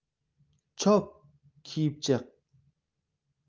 chop kiyib chiq